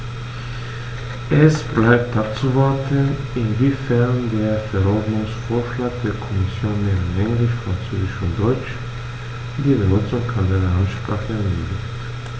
Es bleibt abzuwarten, inwiefern der Verordnungsvorschlag der Kommission neben Englisch, Französisch und Deutsch die Benutzung anderer Amtssprachen ermöglicht.